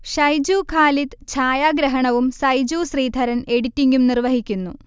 ഷൈജു ഖാലിദ് ചായാഗ്രഹണവും സൈജു ശ്രീധരൻ എഡിറ്റിംഗും നിർവഹിക്കുന്നു